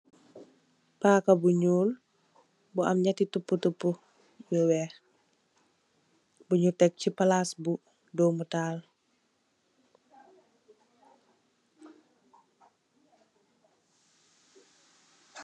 Pakka bu nuul , mu am nyitti tuputupu yu weex bu nu tekk ci palasi bu ndomital.